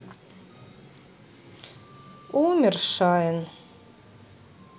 умер шайн